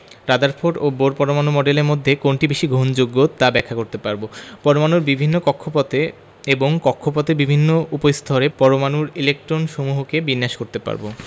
⦁ Rutherford ও Bohr পরমাণু মডেলের মধ্যে কোনটি বেশি গ্রহণযোগ্য তা ব্যাখ্যা করতে পারব ⦁ পরমাণুর বিভিন্ন কক্ষপথে এবং কক্ষপথের বিভিন্ন উপস্তরে পরমাণুর ইলেকট্রনসমূহকে বিন্যাস করতে পারব